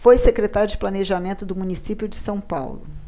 foi secretário de planejamento do município de são paulo